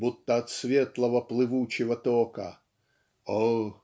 будто от светлого плывучего тока. О